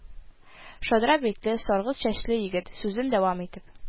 Шадра битле, саргылт чәчле егет, сүзен дәвам итеп: